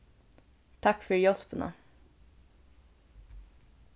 takk fyri hjálpina